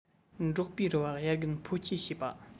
འབྲོག པའི རུ བ དབྱར དགུན འཕོ སྐྱས བྱེད པ